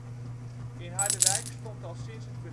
In Harderwijk stond al sinds